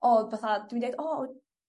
o fatha dwi'n deud o